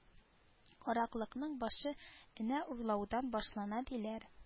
Караклыкның башы энә урлаудан башлана диләр